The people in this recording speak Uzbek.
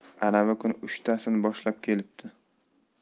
anavi kuni uchtasini boshlab kelibdi